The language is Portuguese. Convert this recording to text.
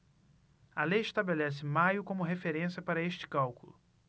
a lei estabelece maio como referência para este cálculo